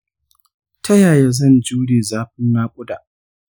tayaya zan jure zafin nakuda